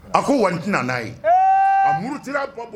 A ko wali a muru ba